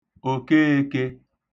Òkeēkē